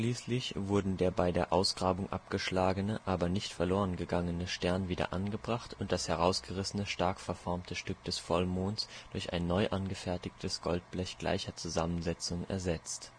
Schließlich wurden der bei der Ausgrabung abgeschlagene, aber nicht verlorengegangene Stern wieder angebracht und das herausgerissene, stark verformte Stück des Vollmonds durch ein neu angefertigtes Goldblech gleicher Zusammensetzung ersetzt